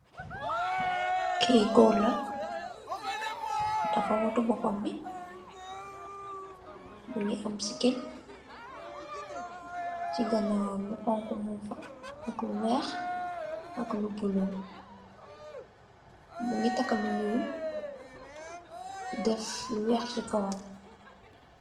Ki gòor la, dafa wattu boppam bi, mungi am cikin. Ci ganaawam lu honku mung fa ak lu weeh, ak lu bulo. Mungi takka lu ñuul deff lu weeh ci kawam.